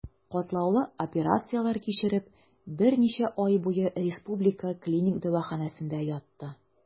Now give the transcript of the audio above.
Катлаулы операцияләр кичереп, берничә ай буе Республика клиник дәваханәсендә ятты.